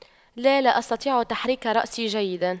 لا لا أستطيع تحريك رأسي جيدا